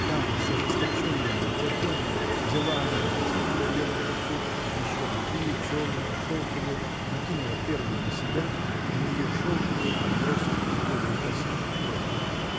Там, с ожесточенным нетерпением, взяла она мантилью на белом пуху, еще другую, черную, шелковую, накинула первую на себя, а на нее шелковую, отбросив пуховую косынку прочь.